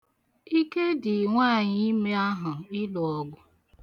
Ike dị nwaànyị̀ime ahụ ịlụ ọgụ.